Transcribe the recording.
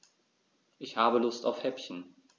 Ich habe Lust auf Häppchen.